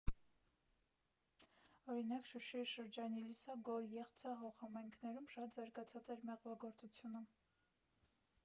Օրինակ Շուշիի շրջանի Լիսագոր, Եղցահող համայնքներում շատ զարգացած էր մեղվագործությունը։